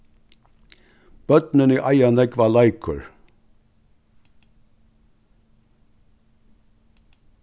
børnini eiga nógvar leikur